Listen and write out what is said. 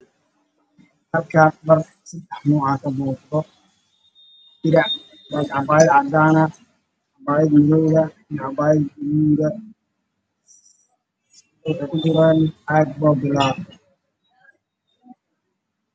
Waa carwo waxaa ii muuqda saddex saakooyin oo meel saaran oo caddaan iyo midooday isku jiraan